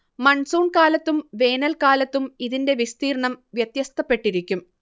monsoon കാലത്തും വേനൽക്കാലത്തും ഇതിന്റെ വിസ്തീർണ്ണം വ്യത്യസ്തപ്പെട്ടിരിക്കും